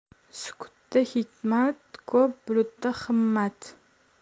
sukutda hikmat ko'p bulutda himmat